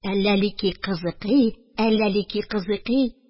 Әләлики-кызыкый, әләлики-кызыкый